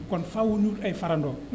kon faaw ñu wut ay farandoo